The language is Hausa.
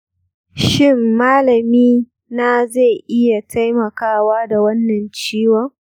shin malami na zai iya taimakawa da wannan ciwon?